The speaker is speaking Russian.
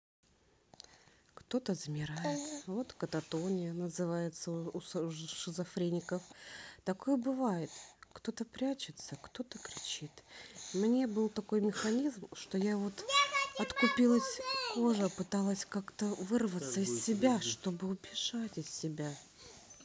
кто то замирает вот katatonia называется у шизофреников такое бывает кто то прячется кто то кричит мне был такой механизм что я вот откупилась кожа пыталась как то вырваться из себя чтобы убежать из себя